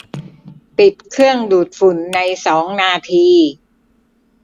ปิดเครื่องดูดฝุ่นในสองนาที